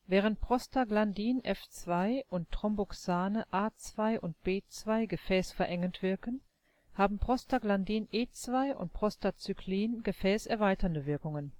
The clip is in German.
Während Prostaglandin F2 und Thromboxane A2 und B2 gefäßverengend wirken, haben Prostaglandin-E2 und Prostacyclin gefäßerweiternde Wirkungen